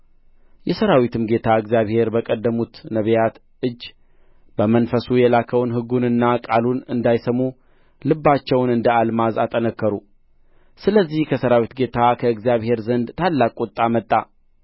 የሠራዊትም ጌታ እግዚአብሔር በቀደሙት ነቢያት እጅ በመንፈሱ የላከውን ሕጉንና ቃሉን እንዳይሰሙ ልባቸውን እንደ አልማዝ አጠነከሩ ስለዚህ ከሠራዊት ጌታ ከእግዚአብሔር ዘንድ ታላቅ ቍጣ መጣ